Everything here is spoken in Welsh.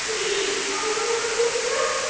Ydi pinafal fod ar bitsa?